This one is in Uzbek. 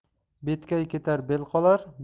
betkay ketar bel qolar